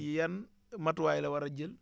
yan matuwaay la war a jël